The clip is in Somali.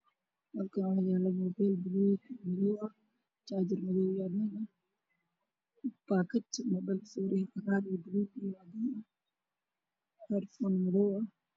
Meshaan waxaa yaalo mobile gaduud ah iyo jaajar madow ah